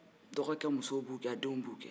dɔgɔkɛ musow b'u gɛn a denw b'u gɛn